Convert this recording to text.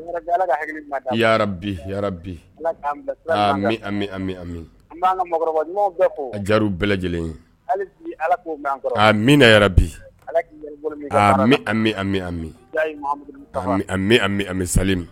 Bi bi ami ami bɛ amimi ja bɛɛ lajɛlen min bi mɛn an bɛ ami bɛ anmi ami amimi sali ma